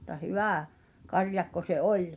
mutta hyvä karjakko se oli